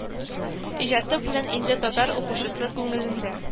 Иҗаты белән инде татар укучысы күңелендә